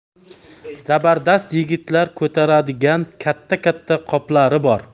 zabardast yigitlar ko'taradigan katta katta qoplari bor